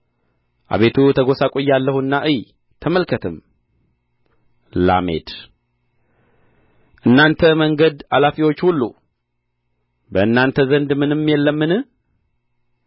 አቤቱ ተጐሳቍያለሁና እይ ተመልከትም ላሜድ እናንተ መንገድ አላፊዎች ሁሉ በእናንተ ዘንድ ምንም የለምን